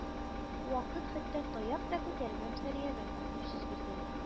Вакыт хәтта таяк та күтәрмәм сәриямә» дип сүз биргән